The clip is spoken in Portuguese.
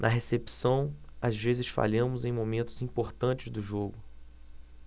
na recepção às vezes falhamos em momentos importantes do jogo